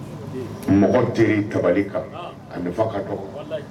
Mɔgɔ denkɛ tabali kan a bɛ ka